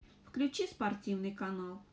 включи спортивный канал